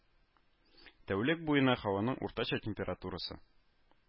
Тәүлек буена һаваның уртача температурасы